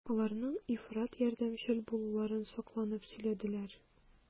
Аларның ифрат ярдәмчел булуларын сокланып сөйләделәр.